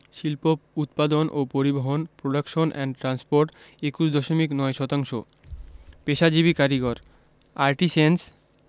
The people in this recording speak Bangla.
শিল্প উৎপাদন ও পরিবহণ প্রোডাকশন এন্ড ট্রান্সপোর্ট ২১ দশমিক ৯ শতাংশ পেশাজীবী কারিগরঃ আর্টিসেন্স